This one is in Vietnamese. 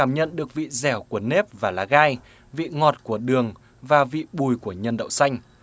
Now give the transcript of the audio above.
cảm nhận được vị dẻo của nếp và lá gai vị ngọt của đường và vị bùi của nhân đậu xanh